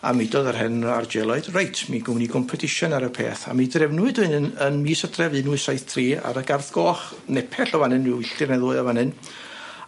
A mi udodd yr hen 'r Are Jay Lloyd reit mi gown ni gompetision ar y peth a mi drefnwyd un yn yn mis Ydref un wyth saith tri ar y gardd goch nepell o fan 'yn ryw wylltir neu ddwy o fan 'yn